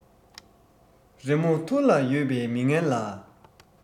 རི མོ ཐུར ལ ཡོད པའི མི ངན ལ